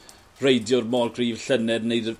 reidiwr mor gryf llynedd neud y